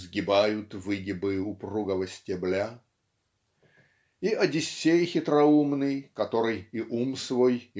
сгибают выгибы упругого стебля" и Одиссей хитроумный который и ум свой